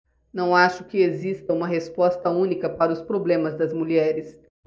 não acho que exista uma resposta única para os problemas das mulheres